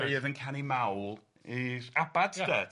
a beurdd yn canu mawl i'r Abad de tibod.